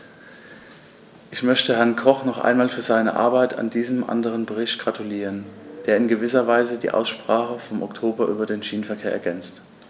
Ich möchte Herrn Koch noch einmal für seine Arbeit an diesem anderen Bericht gratulieren, der in gewisser Weise die Aussprache vom Oktober über den Schienenverkehr ergänzt.